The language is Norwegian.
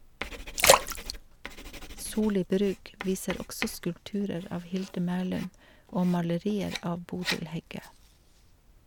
Soli Brug viser også skulpturer av Hilde Mæhlum og malerier av Bodil Heggø.